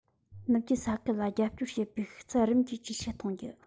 ནུབ རྒྱུད ས ཁུལ ལ རྒྱབ སྐྱོར བྱེད པའི ཤུགས ཚད རིམ གྱིས ཇེ ཆེར གཏོང རྒྱུ